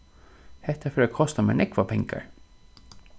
hetta fer at kosta mær nógvar pengar